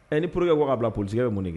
Ɛ porourkɛ wagabila poliseke bɛ mun kɛ